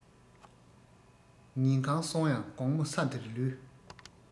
ཉིན གང སོང ཡང དགོང མོ ས དེར ལུས